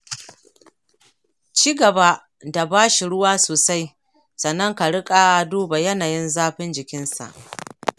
ci gaba da ba shi ruwa sosai sannan ka riƙa duba yanayin zafin jikinsa